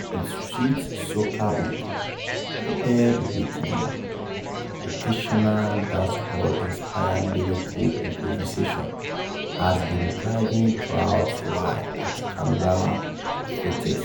Its sweet soca hook, peppered with the occasional dancehall-inspired lyrical improvisation, has been driving crowds wild at Carnival fetes.